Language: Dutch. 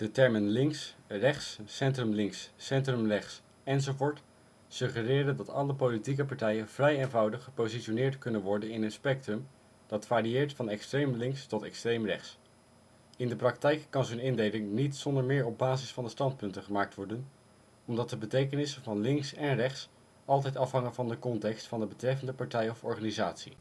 termen links, rechts, centrumlinks, centrumrechts, enzovoort suggereren dat alle politieke partijen vrij eenvoudig gepositioneerd kunnen worden in een spectrum dat varieert van extreem links tot extreem rechts. In de praktijk kan zo 'n indeling niet zonder meer op basis van de standpunten gemaakt worden, omdat de betekenissen van " links " en " rechts " altijd afhangen van de context van de betreffende partij of organisatie